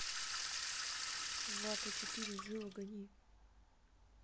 влада а четыре жива гони